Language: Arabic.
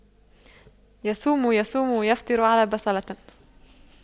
يصوم يصوم ويفطر على بصلة